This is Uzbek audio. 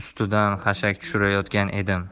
xashak tushirayotgan edim